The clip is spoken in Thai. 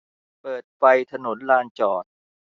เปิดไฟถนนลานจอด